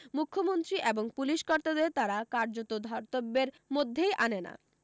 মুখ্যমন্ত্রী এবং পুলিশ কর্তাদের তারা কার্যত ধর্তব্যের মধ্যেই আনে না